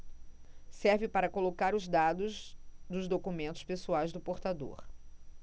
serve para colocar os dados dos documentos pessoais do portador